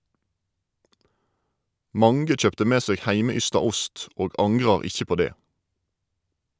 Mange kjøpte med seg heimeysta ost, og angrar ikkje på det.